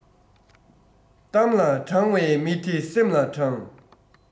གཏམ ལ དྲང བའི མི དེ སེམས ལ དྲང